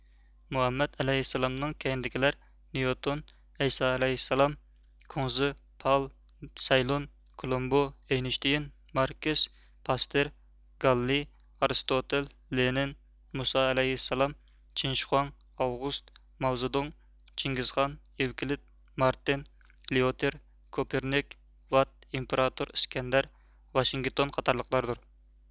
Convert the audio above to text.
مۇھەممەد ئەلەيھىسسالامنىڭ كەينىدىكىلەر نيۇتون ئەيسائەلەيھىسسالام كۇڭزى پال سەيلۇن كولومبۇ ئېينىشتېين ماركىس پاستېر گاللىي ئارستوتىل لېنىن مۇسا ئەلەيھىسسالام چىن شىخۇاڭ ئاۋغۇست ماۋ زېدۇڭ چىڭگىزخان ئېۋكلىد مارتېن ليوتېر كوپېرنىك ۋات ئىمپېراتور ئىسكەندەر ۋاشىنگتون قاتارلىقلاردۇر